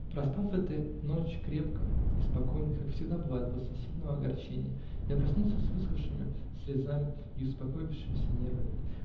Проспав эту ночь крепко и спокойно, как всегда бывает после сильного огорчения, я проснулся с высохнувшими слезами и успокоившимися нервами.